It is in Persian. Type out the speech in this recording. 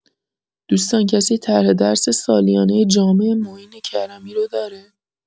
دوستان کسی طرح درس سالیانه جامع معین کرمی رو داره؟